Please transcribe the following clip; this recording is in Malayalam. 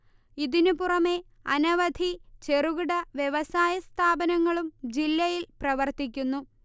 ഇതിനു പുറമേ അനവധി ചെറുകിട വ്യവസായ സ്ഥാപനങ്ങളും ജില്ലയിൽ പ്രവർത്തിക്കുന്നു